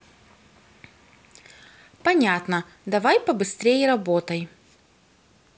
понятно давай побыстрей работай